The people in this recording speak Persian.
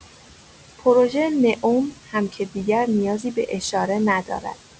پروژه نئوم هم که دیگر نیازی به اشاره ندارد.